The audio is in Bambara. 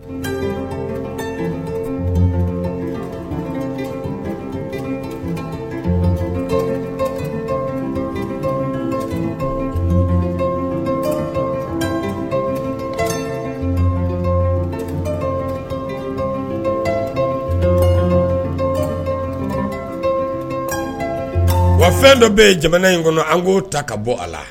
Wa wa fɛn dɔ bɛ yen jamana in kɔnɔ an k'o ta ka bɔ a la